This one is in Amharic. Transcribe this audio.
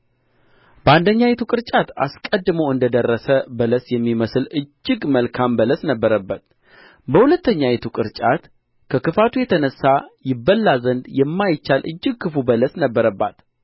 በአንደኛይቱ ቅርጫት አስቀድሞ እንደ ደረሰ በለስ የሚመስል እጅግ መልካም በለስ ነበረባት በሁለተኛይቱ ቅርጫት ከክፋቱ የተነሣ ይበላ ዘንድ የማይቻል እጅግ ክፉ በለስ ነበረባት